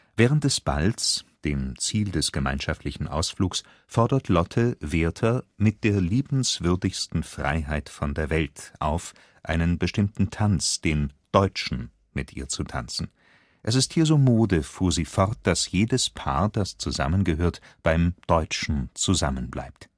Während des Balls, dem Ziel des gemeinschaftlichen Ausflugs, fordert Lotte Werther „ mit der liebenswürdigsten Freiheit von der Welt “auf, einen bestimmten Tanz, den „ Deutschen “, mit ihr zu tanzen. „ Es ist hier so Mode, fuhr sie fort, dass jedes Paar, das zusammengehört, beim Deutschen zusammenbleibt